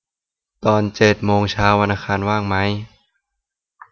ตอนเจ็ดโมงเช้าวันอังคารว่างไหม